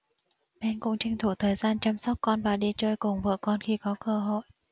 ben cũng tranh thủ thời gian chăm sóc con và đi chơi cùng vợ con khi có cơ hội